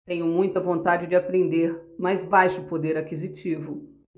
tenho muita vontade de aprender mas baixo poder aquisitivo